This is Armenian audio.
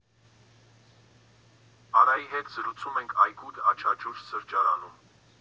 Արայի հետ զրուցում ենք այգու «Աչաջուր» սրճարանում։